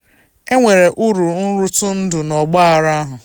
Enwere uru ntụrụndụ n’ọgbaghara ahụ.